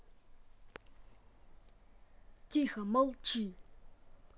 тихо молчи